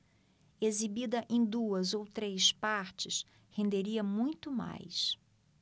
exibida em duas ou três partes renderia muito mais